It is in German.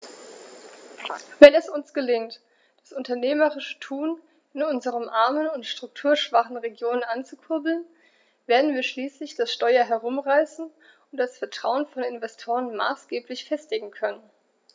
Wenn es uns gelingt, das unternehmerische Tun in unseren armen und strukturschwachen Regionen anzukurbeln, werden wir schließlich das Steuer herumreißen und das Vertrauen von Investoren maßgeblich festigen können.